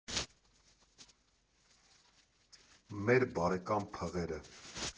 Մեր բարեկամ փղերը։